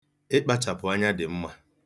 Ịkpachapụ anya dị mma.